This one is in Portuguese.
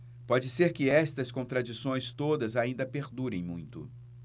pode ser que estas contradições todas ainda perdurem muito